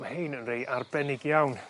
ma' 'hein yn rei arbennig iawn